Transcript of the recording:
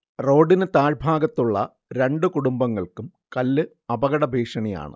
റോഡിന് താഴ്ഭാഗത്തുള്ള രണ്ട് കുടുംബങ്ങൾക്കും കല്ല് അപകടഭീഷണിയാണ്